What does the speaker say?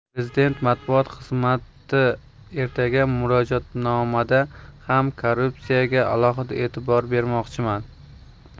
prezident matbuot xizmatiertaga murojaatnomada ham korrupsiyaga alohida etibor bermoqchiman